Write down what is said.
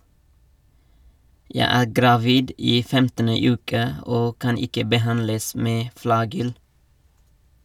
- Jeg er gravid i 15. uke og kan ikke behandles med flagyl.